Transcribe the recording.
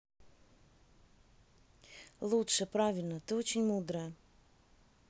лучше правильно ты очень мудрая